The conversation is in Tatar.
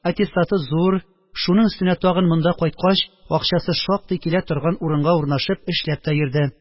Аттестаты зур, шуның өстенә тагын, монда кайткач, акчасы шактый килә торган урынга урнашып, эшләп тә йөрде